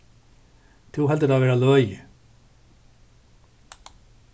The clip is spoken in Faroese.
tú heldur tað vera løgið